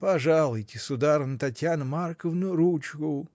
Пожалуйте, сударыня, Татьяна Марковна, ручку!